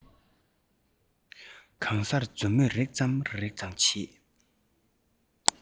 གང སར མཛུབ མོས རེག ཙམ རེག ཙམ བྱེད